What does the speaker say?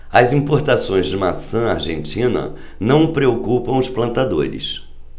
as importações de maçã argentina não preocupam os plantadores